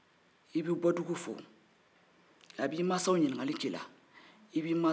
a b'i masaw ɲininkali k'i la i b'i masaw fɔ